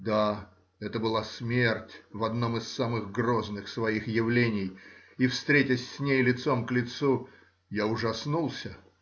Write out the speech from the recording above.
Да, это была смерть в одном из самых грозных своих явлений, и, встретясь с ней лицом к лицу, я ужаснулся.